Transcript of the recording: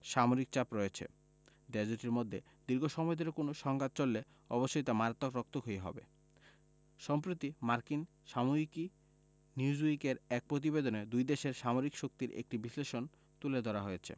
সামরিক চাপ রয়েছে দেশ দুটির মধ্যে দীর্ঘ সময় ধরে কোনো সংঘাত চললে অবশ্যই তা মারাত্মক রক্তক্ষয়ী হবে সম্প্রতি মার্কিন সাময়িকী নিউজউইকের এক প্রতিবেদনে দুই দেশের সামরিক শক্তির একটি বিশ্লেষণ তুলে ধরা হয়েছে